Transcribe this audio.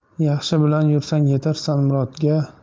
yaxshi bilan yursang yetarsan murodga